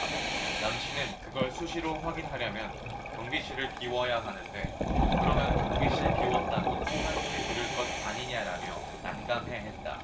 남씨는 그걸 수시로 확인하려면 경비실을 비워야 하는데 그러면 경비실 비웠다고 또 한 소리 들을 것 아니냐라며 난감해했다